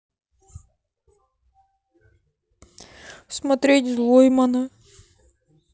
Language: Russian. смотреть злоймана